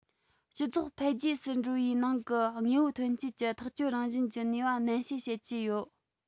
སྤྱི ཚོགས འཕེལ རྒྱས འགྲོ བའི ནང གི དངོས པོའི ཐོན སྐྱེད ཀྱི ཐག གཅོད རང བཞིན གྱི ནུས པ ནན བཤད བྱེད ཀྱི ཡོད